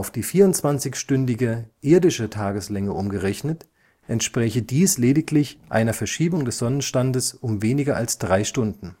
die 24-stündige irdische Tageslänge umgerechnet, entspräche dies lediglich einer Verschiebung des Sonnenstandes um weniger als drei Stunden